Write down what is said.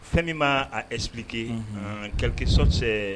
Fɛn min ma' epki keke sɔ